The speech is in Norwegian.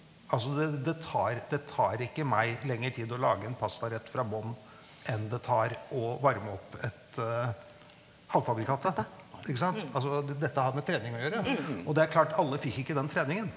altså det det tar det tar ikke meg lenger tid å lage en pastarett fra bånn, enn det tar å varme opp et halvfabrikatet ikke sant, altså dette har med trening å gjøre, og det er klart alle fikk ikke den treningen.